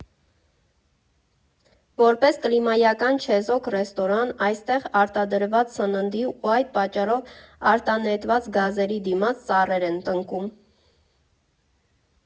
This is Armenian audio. Որպես կլիմայական չեզոք ռեստորան, այստեղ արտադրված սննդի ու այդ պատճառով արտանետված գազերի դիմաց ծառեր են տնկում։